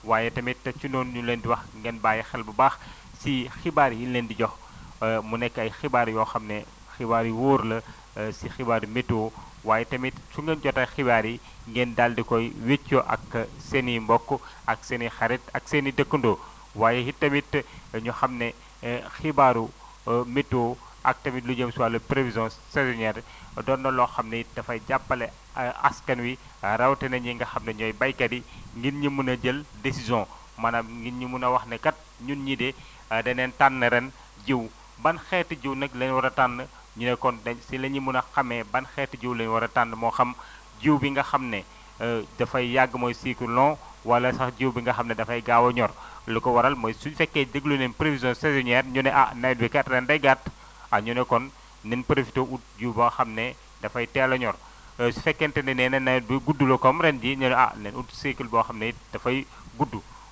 waaye tamit te ci noonu ñu ngi leen di wax ngeen bàyyi xel bu baax si xibaar yi ñu leen di jox mu nekk ay xibaar yoo xam ne xibaar yu wóor la si xibaaru météo waaye tamit su ngeen jotee xibaar yi ngeen daal di koy wéccoo ak seen i mbokk ak seen i xarit ak seen i dëkkandoo waaye tamit ñu xam ne xibaaru météo ak tamit lu jëm si wàllu prévision saisonière doon na loo xam ne it dafay jàppale a askan wi rawatina ñi nga xam ne ñooy baykat yi ngir ñu mën a jël décision maanaam ngir ñu mën a wax ne kat ñun ñii de danañ tànn ren jiwu ban xeetu jiwu nag lañ war a tànn ñu ne kon na ñu si la ñuy mën a xamee ban xeetu jiwu la ñu war a tànn moo xam jiwu bi nga xam ne dafay yàgg mooy cycle loçng wala sax jiwu bi nga xam ne dafay gaaw a ñor lu ko waral mooy su fekkee déglu nañ prévision saisonière ñu ne ah nawet bi kat ren day gàtt ah ñu ne kon nañ profité wut ji boo xam ne dafay teel a ñor su fekkente ne nee na nawet bi guddul comme ren jii ñu ne ah nañ ut cycle boo xam ne it dafay gudd